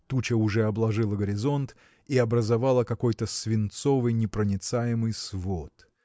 Туча уже обложила горизонт и образовала какой-то свинцовый непроницаемый свод.